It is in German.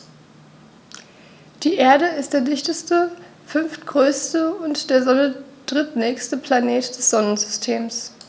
Die Erde ist der dichteste, fünftgrößte und der Sonne drittnächste Planet des Sonnensystems.